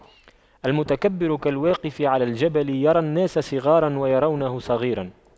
المتكبر كالواقف على الجبل يرى الناس صغاراً ويرونه صغيراً